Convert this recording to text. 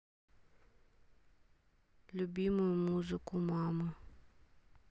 любимую музыку мамы